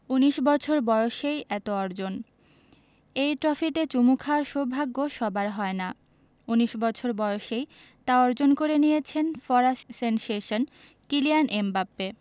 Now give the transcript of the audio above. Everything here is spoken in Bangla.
১৯ বছর বয়সেই এত অর্জন এই ট্রফিতে চুমু খাওয়ার সৌভাগ্য সবার হয় না ১৯ বছর বয়সেই তা অর্জন করে নিয়েছেন ফরাসি সেনসেশন কিলিয়ান এমবাপ্পে